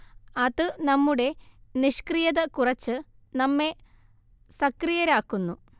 അത് നമ്മുടെ നിഷ്ക്രിയത കുറച്ച് നമ്മെ സക്രിയരാക്കുന്നു